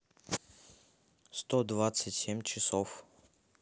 сто двадцать семь часов